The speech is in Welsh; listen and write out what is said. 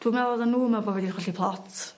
Dwi'n me'wl oddan n'w meddwl bo' fi 'di cholli plot